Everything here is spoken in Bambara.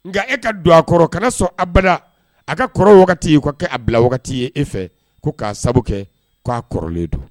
Nka e ka don a kɔrɔ kana sɔn a bala a ka kɔrɔ wagati ka kɛ a bila wagati ye e fɛ ko k'a sababu kɛ k'a kɔrɔlen don